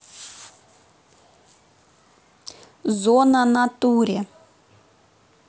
зона натуре